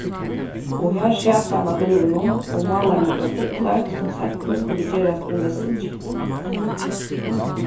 og har sat hann á gólvinum og málaði nakrar fuglar sum seinni skuldu gerast úr messingi